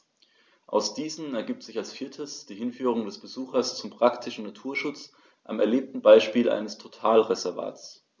Aus diesen ergibt sich als viertes die Hinführung des Besuchers zum praktischen Naturschutz am erlebten Beispiel eines Totalreservats.